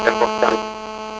importante